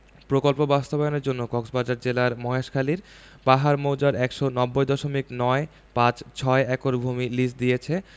প্রকল্প বাস্তবায়নের জন্য কক্সবাজার জেলার মহেশখালীর পাহাড় মৌজার ১৯০ দশমিক নয় পাঁচ ছয় একর ভূমি লিজ দিয়েছে